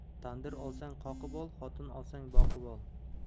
tandir olsang qoqib ol xotin olsang boqib ol